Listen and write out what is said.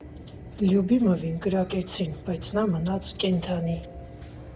Լյուբիմովին կրակեցին, բայց նա մնաց կենդանի։